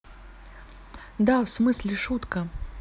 да в смысле шутка